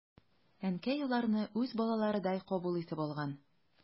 Әнкәй аларны үз балаларыдай кабул итеп алган.